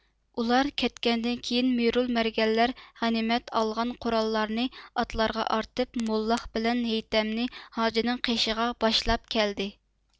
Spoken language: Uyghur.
ئۇلار كەتكەندىن كېيىن مىرۇل مەرگەنلەر غەنىيمەت ئېلىنغان قوراللارنى ئاتلارغا ئارتىپ موللاق بىلەن ھېيتەمنى ھاجىنىڭ قېشىغا باشلاپ كەلدى